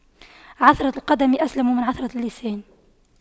عثرة القدم أسلم من عثرة اللسان